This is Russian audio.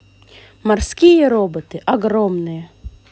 морские роботы огромные